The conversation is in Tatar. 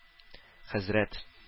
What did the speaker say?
Хәзрәт